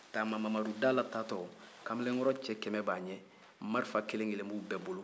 tanba mamadu dala taatɔ kamalenkɔrɔ cɛ kɛmɛ b'a ɲɛ marifa kelen-kelen b'u bolo